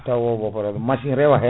tawa bo * machine reewa hen